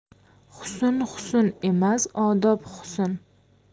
husn husn emas odob husn